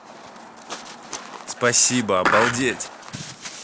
спасибо обалдеть